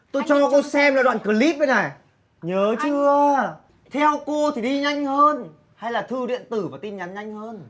tôi cho cô xem lại đoạn cờ líp đây này nhớ chưa theo cô thì đi nhanh hơn hay thư điện tử và tin nhắn nhanh hơn